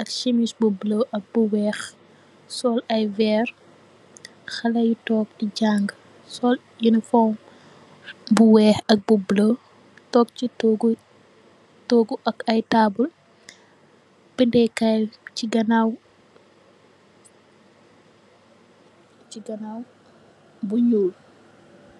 ak simis bu bulo ak weex sol ay veer xaley tog di jang sol unifo bu weex ak bu bulo tog ci togu togu ak ay taabul bindeh kai ci ganaw bu nyool